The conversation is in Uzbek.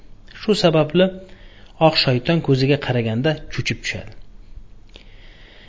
shu sababli oq shayton ko'ziga qaraganda chuchib tushadi